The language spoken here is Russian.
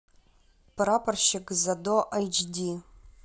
прапорщик задо эйч ди